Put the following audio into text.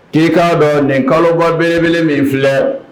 K'i k'a dɔn nin kalobɔ belebele min filɛ